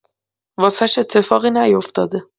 واسش اتفاقی نیافتاده